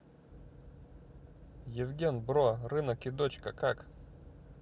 евген бро рынок и дочка как